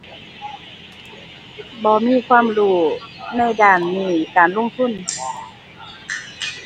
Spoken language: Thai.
บ่มีความรู้ในด้านนี้ การลงทุน